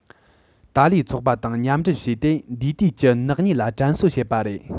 ཏཱ ལའི ཚོགས པ དང མཉམ འབྲེལ བྱས ཏེ འདས དུས ཀྱི ནག ཉེས ལ དྲན གསོ བྱེད པ རེད